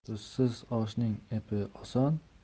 tuzsiz oshning epi oson